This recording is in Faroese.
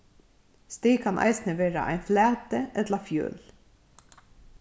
stig kann eisini vera ein flati ella fjøl